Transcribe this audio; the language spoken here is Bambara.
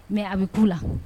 Mais a bɛ k'u la.